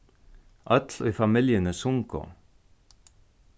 øll í familjuni sungu